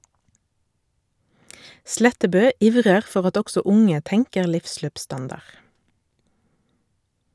Slettebø ivrer for at også unge tenker livsløpsstandard.